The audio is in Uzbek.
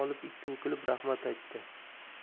olib ikki bukilib rahmat aytdi